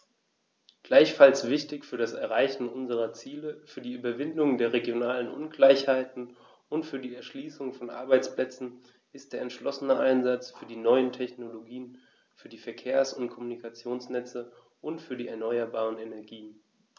Gleichfalls wichtig für das Erreichen unserer Ziele, für die Überwindung der regionalen Ungleichheiten und für die Erschließung von Arbeitsplätzen ist der entschlossene Einsatz für die neuen Technologien, für die Verkehrs- und Kommunikationsnetze und für die erneuerbaren Energien.